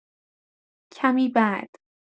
کمی بعد